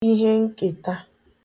ihenkèta